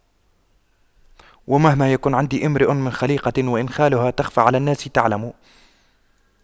ومهما يكن عند امرئ من خَليقَةٍ وإن خالها تَخْفَى على الناس تُعْلَمِ